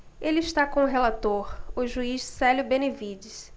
ele está com o relator o juiz célio benevides